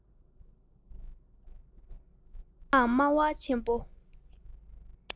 སྙན ངག སྨྲ བ ཆེན པོ